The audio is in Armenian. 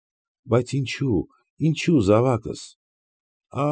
Բայց ինչո՞ւ, ինչո՞ւ, զավակս։